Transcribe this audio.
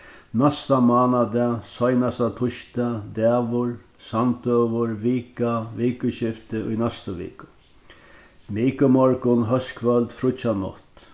næsta mánadag seinasta týsdag dagur samdøgur vika vikuskifti í næstu viku mikumorgun hóskvøld fríggjanátt